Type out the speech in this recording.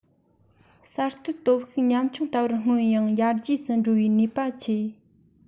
གསར ཐོན སྟོབས ཤུགས ཉམ ཆུང ལྟ བུར མངོན ཡང ཡར རྒྱས སུ འགྲོ བའི ནུས པ ཆེ